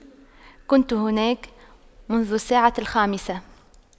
كنت هناك منذ الساعة الخامسة